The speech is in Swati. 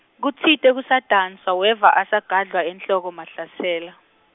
kutsite kusadanswa weva asagadlwa enhloko Mahlasela.